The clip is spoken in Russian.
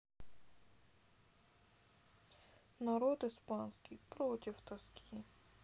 народ испанский против тоски